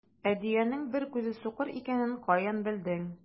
Ә дөянең бер күзе сукыр икәнен каян белдең?